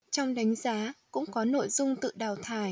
trong đánh giá cũng có nội dung tự đào thải